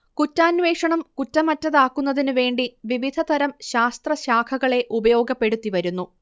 കുറ്റാന്വേഷണം കുറ്റമറ്റതാക്കുന്നതിന് വേണ്ടി വിവിധതരം ശാസ്ത്രശാഖകളെ ഉപയോഗപ്പെടുത്തിവരുന്നു